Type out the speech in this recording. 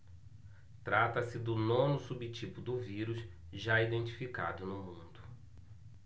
trata-se do nono subtipo do vírus já identificado no mundo